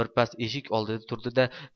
birpas eshik oldida turdi da